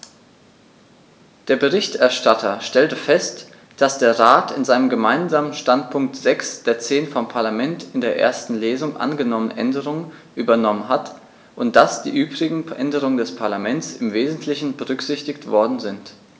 Der Berichterstatter stellte fest, dass der Rat in seinem Gemeinsamen Standpunkt sechs der zehn vom Parlament in der ersten Lesung angenommenen Änderungen übernommen hat und dass die übrigen Änderungen des Parlaments im wesentlichen berücksichtigt worden sind.